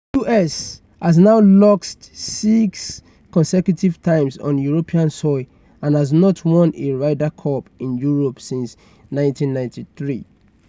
The US has now lost six consecutive times on European soil and has not won a Ryder Cup in Europe since 1993.